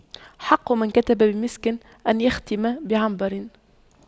حق من كتب بمسك أن يختم بعنبر